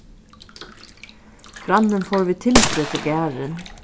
grannin fór við timbri til garðin